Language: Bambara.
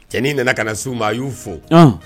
Cɛnin nana ka na s u ma a y'u fo